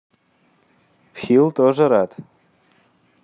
phil тоже рад